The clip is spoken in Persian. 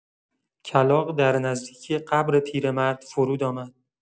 کلاغ در نزدیکی قبر پیرمرد فرود آمد.